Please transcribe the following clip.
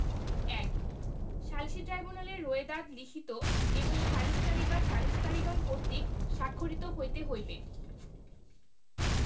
১ সালিসী ট্রাইব্যুনালের রোয়েদাদ লিখিত এবং সালিসকারী বা সালিসকারীগণ কর্তৃক স্বাক্ষরিত হইতে হইবে